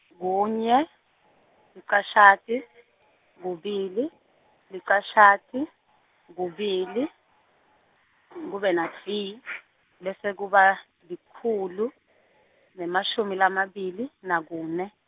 kunye, licashata , kubili, licashata, kubili, kube na dvwi , bese kuba likhulu, nemashumi lamabili, nakune.